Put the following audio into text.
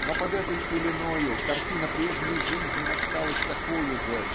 но под этой пеленою картина прежней жизни осталась такою же